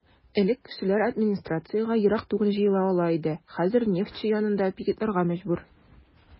Элек кешеләр администрациягә ерак түгел җыела ала иде, хәзер "Нефтьче" янында пикетларга мәҗбүр.